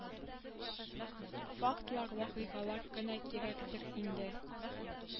Фактлар вакыйгалар гына кирәктер инде